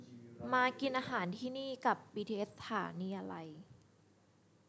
มากินอาหารที่นี่กลับบีทีเอสสถานีอะไร